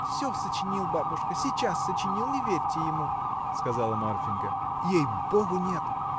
— Всё сочинил, бабушка, сейчас сочинил, не верьте ему! — сказала Марфинька. — Ей-богу, нет!